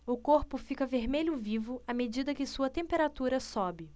o corpo fica vermelho vivo à medida que sua temperatura sobe